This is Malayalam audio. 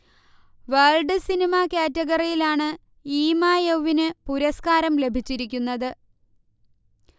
വേൾഡ് സിനിമ കാറ്റഗറിയിലാണ് ഈമയൗവിന് പുരസ്കാരം ലഭിച്ചിരിക്കുന്നത്